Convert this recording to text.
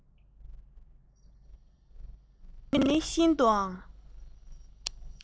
ལོ རྒྱུས ནི ཤིན ཏུའང